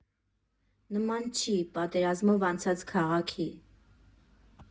Նման չի պատերազմով անցած քաղաքի։